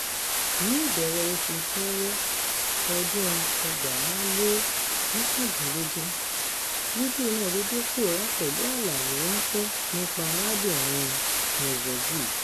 Ní ìbẹ̀rẹ̀ oṣù Ṣẹẹrẹ ọdún 2019, fídíò náà dédé pòórá pẹ̀lú àlàyé ránńpẹ́ nípa arábìnrin Knežević.